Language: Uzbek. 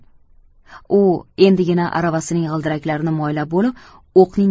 u endigina aravasining g'ildiraklarini moylab bo'lib o'qning